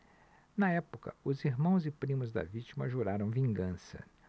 na época os irmãos e primos da vítima juraram vingança